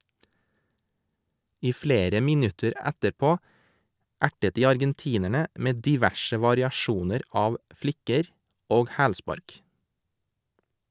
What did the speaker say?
I flere minutter etterpå ertet de argentinerne med diverse variasjoner av flikker og hælspark.